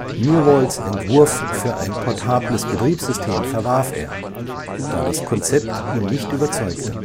Myhrvolds Entwurf für ein portables Betriebssystem verwarf er, da das Konzept ihn nicht überzeugte